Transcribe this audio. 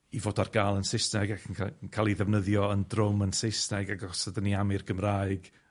i' fod o ar ga'l yn Sysnag ac yn ca- yn ca'l 'i ddefnyddio yn drwm yn Saesneg ac os ydyn ni am i'r Gymraeg